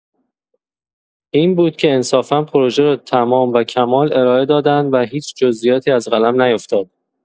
این بود که انصافا پروژه رو تمام و کمال ارائه دادن و هیچ جزئیاتی از قلم نیفتاد.